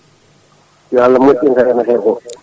yo Allah moƴƴin ko remete ko